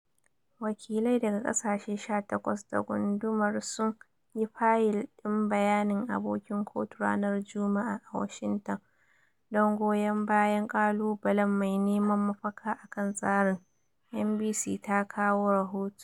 Wakilai daga kasashe 18 da gundumar sun yi fayil din bayanin abokin kotu ranar Juma’a, a Washington dan goyon bayan kalubalen mai neman mafaka akan tsarin, NBC ta kawo rahoto.